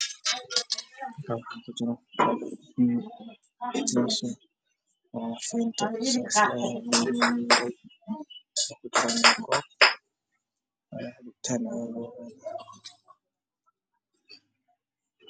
Meeshan waxaa yaalla koob cabitaan ku jiro